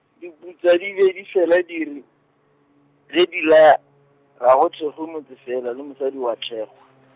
diputswa di be di fela di re, ge di laya, ga go thekgwe motse fela le mosadi o a thekgwa.